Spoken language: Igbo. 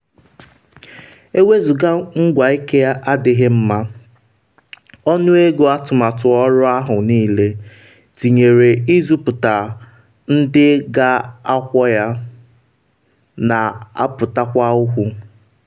Ewezuga ngwaike adịghị mma, ọnụego atụmatụ ọrụ ahụ niile - tinyere ịzụpụta ndị ga-akwọ ya - na-apụtakwa okwu.